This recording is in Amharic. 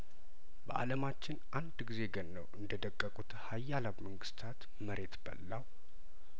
በአለማችን አንድ ጊዜ ገነው እንደደቀቁት ሀያላን መንግስታት መሬት በላው